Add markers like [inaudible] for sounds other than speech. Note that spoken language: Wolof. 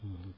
[hesitation] [hesitation]